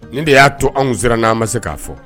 Nin de y'a to an siran n'an ma se k'a fɔ